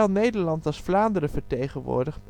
Nederland als Vlaanderen vertegenwoordigd